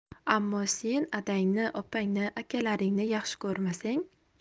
ammo sen adangni opangni akalaringni yaxshi ko'rmasang